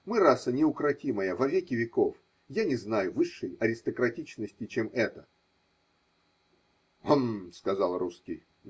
Мы – раса неукротимая во веки веков: я не знаю высшей аристократичности, чем эта. – Гм. – сказал русский.